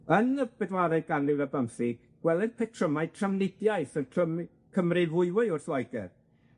Yn y bedwaredd ganrif ar bymthig, gweled petrymau trafnidiaeth yn Cymru Cymru fwyfwy wrth Loeger,